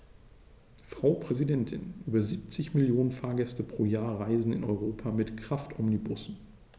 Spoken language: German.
Frau Präsidentin, über 70 Millionen Fahrgäste pro Jahr reisen in Europa mit Kraftomnibussen.